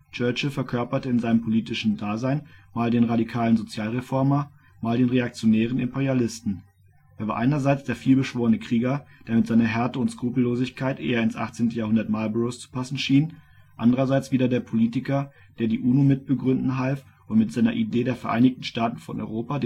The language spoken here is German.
Churchill verkörperte in seinem politischen Dasein mal den radikalen Sozialreformer, mal den reaktionären Imperialisten; er war einerseits der vielbeschworene Krieger, der mit seiner Härte und Skrupellosigkeit eher ins 18. Jahrhundert Marlboroughs zu passen schien, andererseits wieder der Politiker, der die UNO mitbegründen half und mit seiner Idee der " Vereinigten Staaten von Europa